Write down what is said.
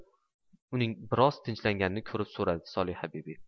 uning biroz tinchiganini ko'rib so'radi solihabibi